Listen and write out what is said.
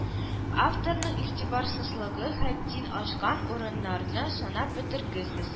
Авторның игътибарсызлыгы хәттин ашкан урыннарны санап бетергесез